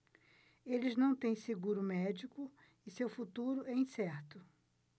eles não têm seguro médico e seu futuro é incerto